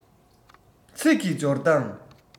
ཚིག གི སྦྱོར སྟངས